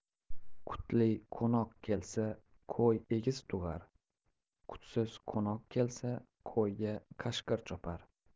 qutli qo'noq kelsa qo'y egiz tug'ar qutsiz qo'noq kelsa qo'yga qashqir chopar